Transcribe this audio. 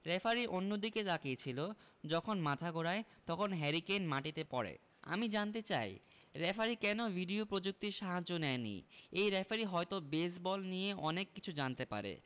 referee অন্যদিকে তাকিয়ে ছিল যখন মাথা ঘোরায় তখন হ্যারি কেইন মাটিতে পড়ে আমি জানতে চাই রেফারি কেন ভিডিও প্রযুক্তির সাহায্য নেয়নি এই রেফারি হয়তো বেসবল নিয়ে অনেক কিছু জানতে পারে